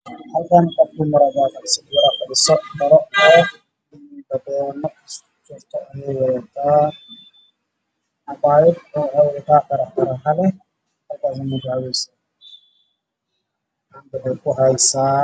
Waa caadad waxaa ku jirto biyo liin ah midabkoodu yahay jaalo waxaa kor ku suran liin gabar ayaa gacanta ku hayso